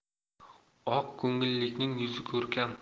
oq ko'ngillikning yuzi ko'rkam